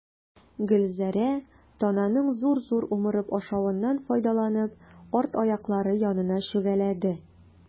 Гөлзәрә, тананың зур-зур умырып ашавыннан файдаланып, арт аяклары янына чүгәләде.